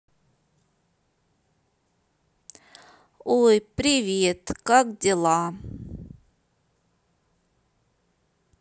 ой привет как дела